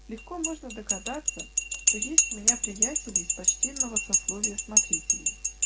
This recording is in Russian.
Легко можно догадаться, что есть у меня приятели из почтенного сословия смотрителей.